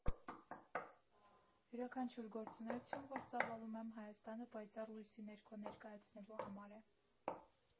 Յուրաքանչյուր գործունեություն, որ ծավալում եմ՝ Հայաստանը պայծառ լույսի ներքո ներկայացնելու համար է։